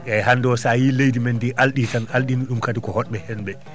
eeyi hannde o so a yii leydi men ndi alɗii tan alɗini ɗum kadi ko hotɓe heen ɓee